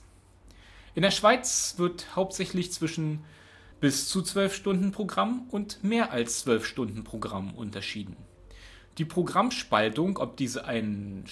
der Schweiz wird hauptsächlich zwischen „ bis zu 12-Stunden-Programm “und „ mehr als 12-Stunden-Programm “unterschieden. Die Programmspaltung, ob diese ein